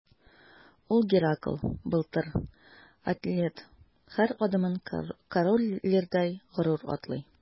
Ул – Геракл, Былтыр, атлет – һәр адымын Король Лирдай горур атлый.